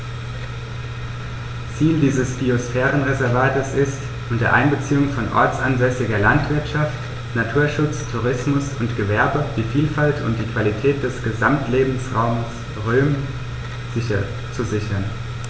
Ziel dieses Biosphärenreservates ist, unter Einbeziehung von ortsansässiger Landwirtschaft, Naturschutz, Tourismus und Gewerbe die Vielfalt und die Qualität des Gesamtlebensraumes Rhön zu sichern.